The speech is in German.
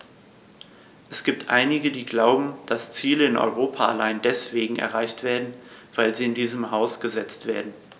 Es gibt einige, die glauben, dass Ziele in Europa allein deswegen erreicht werden, weil sie in diesem Haus gesetzt werden.